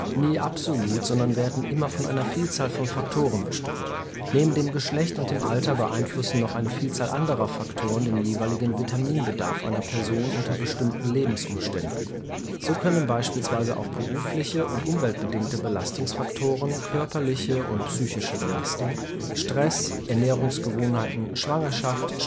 nie absolut, sondern werden immer von einer Vielzahl von Faktoren bestimmt. Neben dem Geschlecht und dem Alter beeinflussen noch eine Vielzahl anderer Faktoren den jeweiligen Vitaminbedarf einer Person unter bestimmten Lebensumständen. So können beispielsweise auch berufliche und umweltbedingte Belastungsfaktoren, körperliche und psychische Belastungen, Stress, Ernährungsgewohnheiten, Schwangerschaft